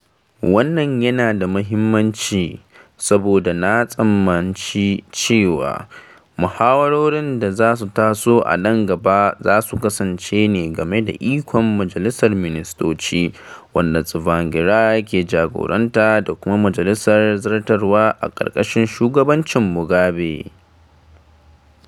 Wannan yana da muhimmanci, saboda na tsammaci cewa muhawarorin da za su taso a nan gaba za su kasance ne game da ikon Majalisar Ministoci, wanda Tsvangirai ke jagoranta, da kuma Majalisar Zartarwa, a ƙarƙashin shugabancin Mugabe.